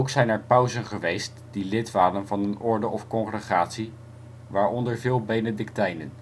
zijn er pausen geweest die lid waren van een orde of congregatie, waaronder veel Benedictijnen